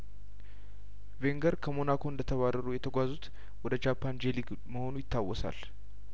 ቬንገር ከሞናኮ እንደተባረሩ የተጓዙት ወደ ጃፓን ጄ ሊግ መሆኑ ይታወሳል